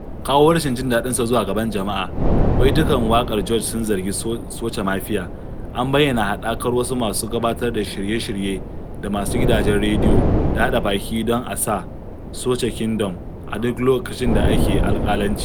Kawo rashin jin daɗinsa zuwa gaban jama'a, baitukan waƙar George sun zargi "soca mafia" - an bayyana haɗakar wasu masu gabatar da shirye-shirye da masu gidajen rediyo - da haɗa baki don a sa "Soca Kingdom" a duk lokacin da ake alƙalanci.